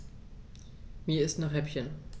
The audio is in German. Mir ist nach Häppchen.